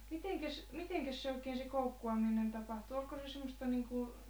mitenkäs mitenkäs se oikein se koukkuaminen tapahtui oliko se semmoista niin kuin